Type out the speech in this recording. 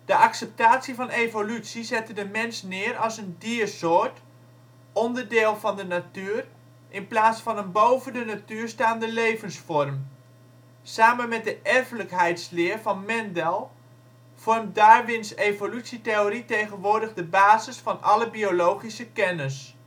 acceptatie van evolutie zette de mens neer als een diersoort, onderdeel van de natuur, in plaats van een boven de natuur staande levensvorm. Samen met de erfelijkheidsleer van Mendel vormt Darwins evolutietheorie tegenwoordig de basis van alle biologische kennis